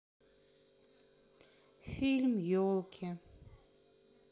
фильм елки